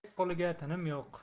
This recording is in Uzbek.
tirik qulga tinim yo'q